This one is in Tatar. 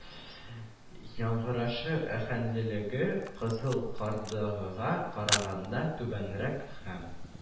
Яңгырашы, аһәңлелеге кызыл кардагыга караганда түбәнрәк, һәм